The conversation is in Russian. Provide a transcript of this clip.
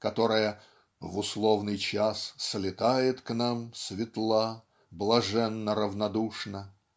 которая "в условный час слетает к нам светла блаженно равнодушна"